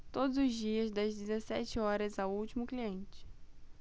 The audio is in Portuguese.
todos os dias das dezessete horas ao último cliente